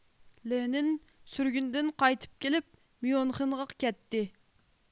لېنىن سۈرگۈندىن قايتىپ كېلىپ ميۇنخېنغا كەتتى